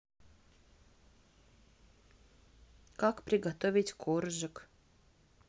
как приготовить коржик